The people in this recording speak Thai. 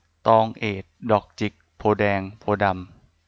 ตองเอดดอกจิกโพธิ์แดงโพธิ์ดำ